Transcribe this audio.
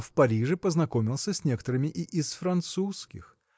а в Париже познакомился с некоторыми и из французских.